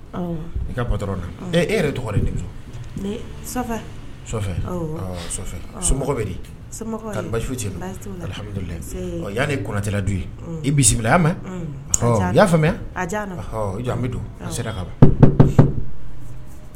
I katɔ e yɛrɛ tɔgɔ so bɛfu yantɛ du i bisimila mɛn i y'a faamuya jɔn bɛ sera ka ban